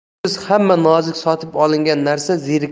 pulsiz hamma nozik sotib olingan narsa